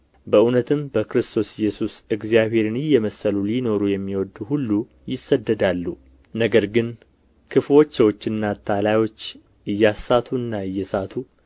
በእውነትም በክርስቶስ ኢየሱስ እግዚአብሔርን እየመሰሉ ሊኖሩ የሚወዱ ሁሉ ይሰደዳሉ ነገር ግን ክፉዎች ሰዎችና አታላዮች እያሳቱና እየሳቱ